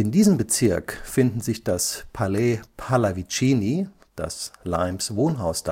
diesem Bezirk finden sich das Palais Pallavicini (Limes Wohnhaus